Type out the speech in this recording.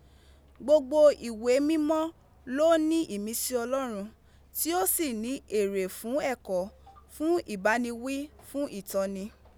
Gbogbo iwe mimo lo ni imisi Olorun, ti o si ni ere fun eko, fun iba ni wi fun itoni